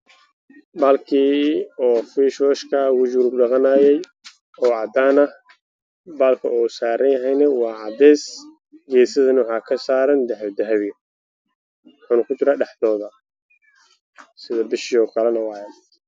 Waa caagado waxaa ku jira kareen midabkiisa ama cadaan